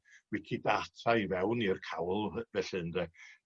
wicidata i fewn i'r cawl fe- felly ynde.